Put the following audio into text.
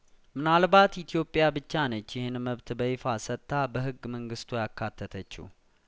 ምናልባት ኢትዮጵያ ብቻ ነች ይሄን መብት በይፋ ሰጥታ በህግ መንግስቷ ያካተተችው